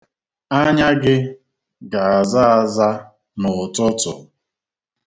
Anya gị ga-aza aza n'ụtụtụ.